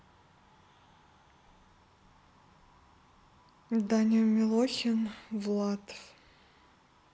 даня милохин влад